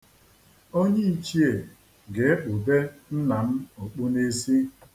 Onye ichie ga-ekpube nna m okpu n'isi.